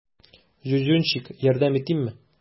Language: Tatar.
Зюзюнчик, ярдәм итимме?